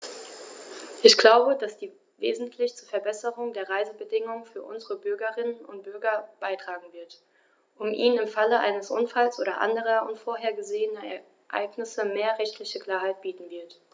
Ich glaube, dass sie wesentlich zur Verbesserung der Reisebedingungen für unsere Bürgerinnen und Bürger beitragen wird, und ihnen im Falle eines Unfalls oder anderer unvorhergesehener Ereignisse mehr rechtliche Klarheit bieten wird.